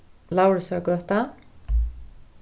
lauritsargøta